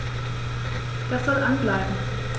Das soll an bleiben.